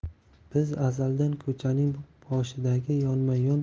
biz azaldan ko'chaning boshidagi yonma